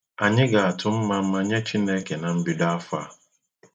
Anyị ga-atụ mmamma nye Chineke na mbido afọ a.